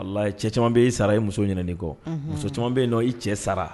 Cɛ caman bɛ'i sara i muso ɲinien kɔ muso caman bɛ i cɛ sara